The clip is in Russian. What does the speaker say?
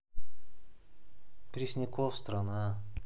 пресняков страна